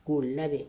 K'o labɛn